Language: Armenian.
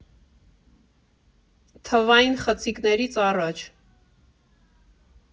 Թվային խցիկներից առաջ.